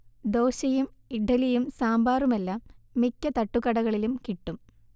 ദോശയും ഇഡ്ഢലിയും സാമ്പാറുമെല്ലാം മിക്ക തട്ടുകടകളിലും കിട്ടും